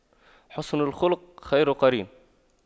حُسْنُ الخلق خير قرين